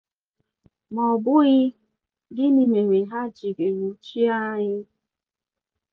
Ma ọ bụghị, gịnị mere ha jiri nwụchie anyị?